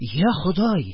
Я ходай!